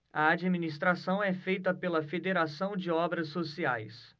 a administração é feita pela fos federação de obras sociais